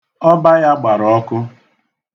Ọba ya gbara ọkụ.